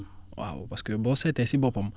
waaw parce que boo seetee si boppam